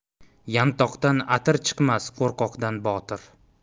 yantoqdan atir chiqmas qo'rqoqdan botir